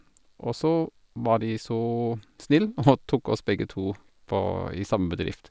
Og så var de så snill og tok oss begge to på i samme bedrift.